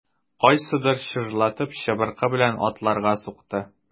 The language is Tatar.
Кайсыдыр чыжлатып чыбыркы белән атларга сукты.